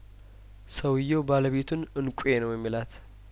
ሰውዬው ባለቤቱን እንቋ ነው የሚላት